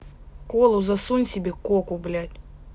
колу засунь себе коку блядь